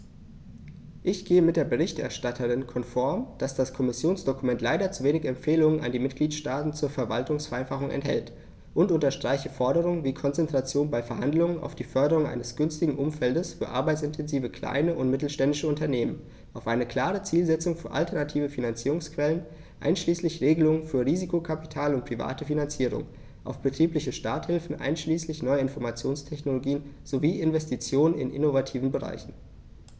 Ich gehe mit der Berichterstatterin konform, dass das Kommissionsdokument leider zu wenig Empfehlungen an die Mitgliedstaaten zur Verwaltungsvereinfachung enthält, und unterstreiche Forderungen wie Konzentration bei Verhandlungen auf die Förderung eines günstigen Umfeldes für arbeitsintensive kleine und mittelständische Unternehmen, auf eine klare Zielsetzung für alternative Finanzierungsquellen einschließlich Regelungen für Risikokapital und private Finanzierung, auf betriebliche Starthilfen einschließlich neuer Informationstechnologien sowie Investitionen in innovativen Bereichen.